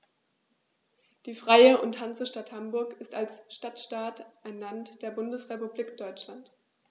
Die Freie und Hansestadt Hamburg ist als Stadtstaat ein Land der Bundesrepublik Deutschland.